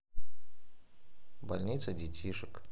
больница детишек